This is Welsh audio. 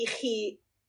i chi